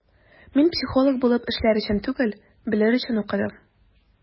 Мин психолог булып эшләр өчен түгел, белер өчен укыдым.